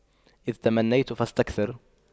إذا تمنيت فاستكثر